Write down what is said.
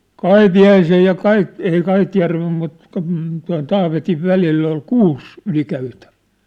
Kaipiaisen ja - ei Kaitjärven mutta kun tuon Taavetin välillä oli kuusi ylikäytävää